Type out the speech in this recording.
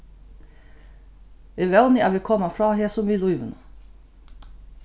eg vóni at vit koma frá hesum við lívinum